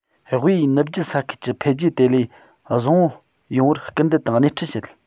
དབུས ནུབ རྒྱུད ས ཁུལ གྱི འཕེལ རྒྱས དེ ལས བཟང པོ ཡོང བར སྐུལ འདེད དང སྣེ འཁྲིད བྱེད